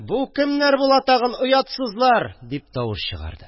– бу кемнәр була тагын, оятсызлар! – дип тавыш чыгарды